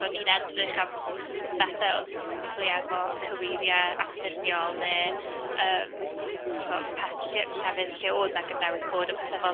Ro'n i'n edrych am bethau oedd specifically efo cyweiriau anffurfiol, neu yym tibod pe- llefydd lle oedd na gyfnewid cod a pethe fel 'na.